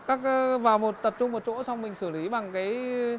các cái vào một tập trung một chỗ xong mình xử lý bằng cái